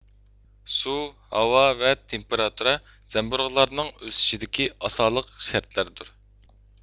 سۇ ھاۋا ۋە تېمپېراتۇرا زەمبۇرۇغلارنىڭ ئۆسۈشىدىكى ئاسالىق شەرتلەردۇر